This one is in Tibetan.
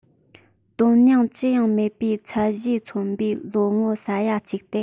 དོན སྙིང ཅི ཡང མེད པའི ཚད གཞིས མཚོན པའི ལོ ངོ ས ཡ གཅིག དེ